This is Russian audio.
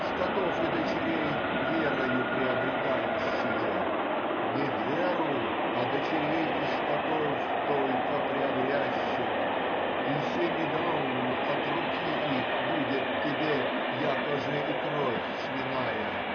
Скотов и дочерей верою приобретающие — не веру, а дочерей и скотов только приобрящут, и семидал от рук их будет тебе яко же и кровь свиная.